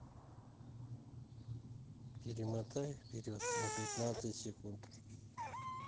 перемотай вперед на пятнадцать секунд